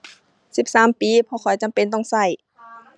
สิบสามปีเพราะข้อยจำเป็นต้องใช้